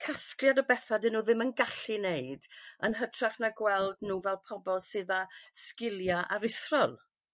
casgliad o betha 'dyn nw ddim yn gallu neud yn hytrach na gweld nhw fel pobol sydd â sgilia aruthrol.